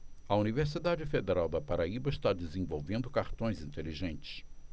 a universidade federal da paraíba está desenvolvendo cartões inteligentes